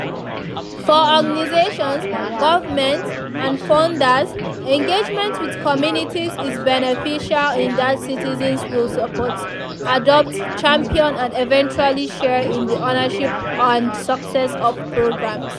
For organizations, governments, and funders, engagement with communities is beneficial in that citizens will support, adopt, champion, and eventually share in the ownership and success of programs.